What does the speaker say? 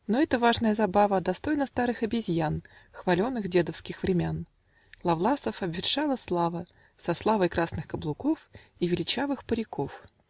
Но эта важная забава Достойна старых обезьян Хваленых дедовских времян: Ловласов обветшала слава Со славой красных каблуков И величавых париков.